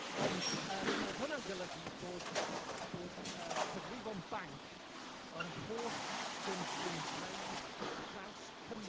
Ond yy oedd hwnna'n golygu bod, bod cyfrifonon banc yr holl ar draws Cymru